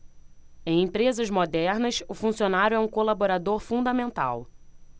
em empresas modernas o funcionário é um colaborador fundamental